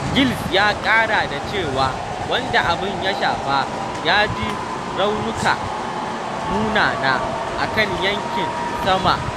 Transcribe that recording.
Giles ya ƙara da cewa wanda abin ya shafa ya ji raunuka munana a kan yankin sama